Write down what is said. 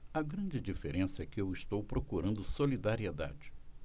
a grande diferença é que eu estou procurando solidariedade